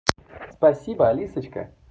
спасибо алисочка